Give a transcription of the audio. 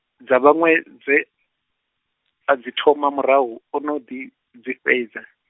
dza vhaṅwe dze, a dzi thoma murahu, ono ḓi, dzi fhedza.